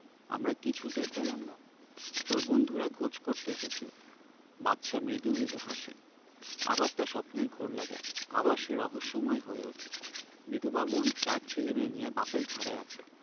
আমরা কিচ্ছু টের পেলাম না তোর বন্ধুরা খোঁজ করতে এসেছিলো বাদশা মৃদু মৃদু হাসে আবার তার স্বপ্নের ঘোর লাগে আবার সে রহস্যময় হয়ে উঠে বিধবা বোন চার ছেলেমেয়ে নিয়ে বাপের ঘাড়ে আছে